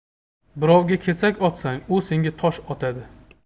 birovga kesak otsang u senga tosh otadi